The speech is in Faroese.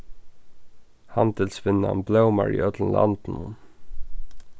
handilsvinnan blómar í øllum landinum